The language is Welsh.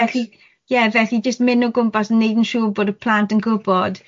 Felly, ie. Felly jyst mynd o gwmpas yn neud yn siŵr bod dy plant yn gwbod